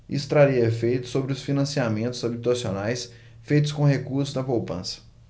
isso traria efeitos sobre os financiamentos habitacionais feitos com recursos da poupança